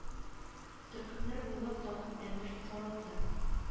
Төркемнәр буйлап тагын әмер таралды